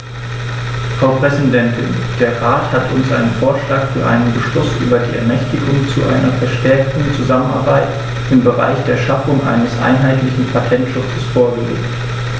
Frau Präsidentin, der Rat hat uns einen Vorschlag für einen Beschluss über die Ermächtigung zu einer verstärkten Zusammenarbeit im Bereich der Schaffung eines einheitlichen Patentschutzes vorgelegt.